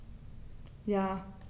Ja.